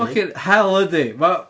Ffycin hell yndi. Ma'...